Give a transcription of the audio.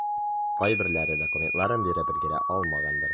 Кайберләре документларын биреп өлгерә алмагандыр.